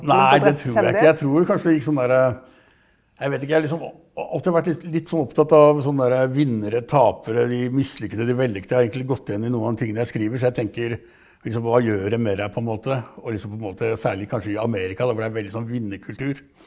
nei det tror jeg ikke, jeg tror kanskje gikk sånn derre jeg veit ikke jeg liksom alltid vært litt litt sånn opptatt av sånn derre vinnere, tapere, de mislykkede, de vellykte, og har egentlig gått igjen i noen av tingene jeg skriver, så jeg tenker liksom hva gjør det med deg på en måte og liksom på en måte særlig kanskje i Amerika der hvor det er veldig sånn vinnerkultur.